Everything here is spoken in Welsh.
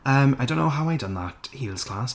Yym I don't know how I done that heels class.